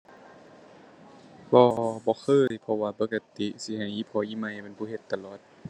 บ่ บ่เคย เพราะว่าปกติสิให้อีพ่ออีแม่เป็นผู้เฮ็ดตลอด